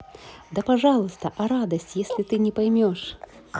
да пожалуйста а радость если ты не поймешь